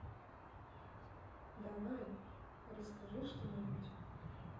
давай расскажи что нибудь